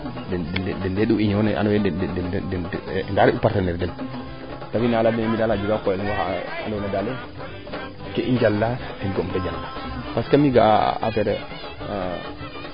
den ndee'u union ne ando naye den den re'u partenaire den te fi naaga a leya dene a jega qoyo lengo xa ando naye daal ke i njala ga'um te jala parce que mi ga'a